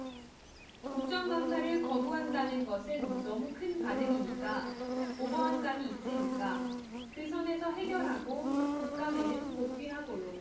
국정 감사를 거부한다는 것은 너무 큰 반응이니까 오버한 감이 있으니까 그 선에서 해결하고 국감에는 복귀하고요